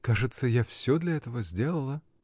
— Кажется, я всё для этого сделала.